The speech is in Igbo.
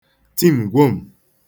tim̀gwom̀